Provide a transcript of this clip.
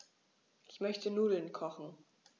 Ich möchte Nudeln kochen.